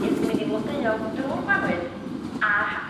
Un sy mynd i flodeuo drw'r Gwanwyn a'r Ha.